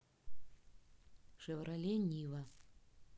шевроле нива